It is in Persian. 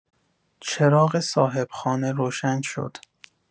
چراغ صاحب‌خانه روشن شد.